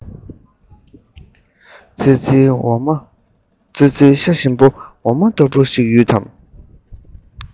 ཙི ཙིའི ཤ ཞིམ པོ འོ མ ལྟ བུ ཞིག ཡོད དམ